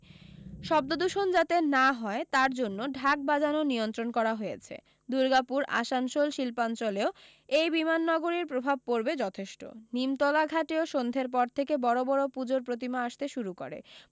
শব্দ দূষণ যাতে না হয় তার জন্য ঢাক বাজানো নিয়ন্ত্রণ করা হয়েছে দুর্গাপুর আসানসোল শিল্পাঞ্চলেও এই বিমাননগরীর প্রভাব পড়বে যথেষ্ট নিমতলা ঘাটেও সন্ধের পর থেকে বড় বড় পূজোর প্রতিমা আসতে শুরু করে